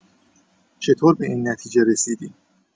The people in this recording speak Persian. چطور به این نتیجه رسیدی؟